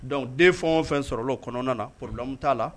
Dɔnku den fɛn o fɛn sɔrɔla o kɔnɔna na plamu t'a la